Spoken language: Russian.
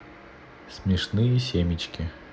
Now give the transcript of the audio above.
смешные семечки